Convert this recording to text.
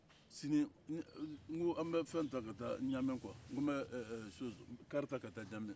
sini nko an bɛ fɛn ta ka taa ɲame kuwa nko bɛ eee eee chose kari ta ka taa ɲame